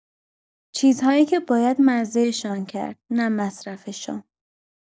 چیزهایی که باید مزه‌شان کرد، نه مصرفشان.